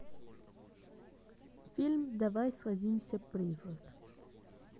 фильм давай сразимся призрак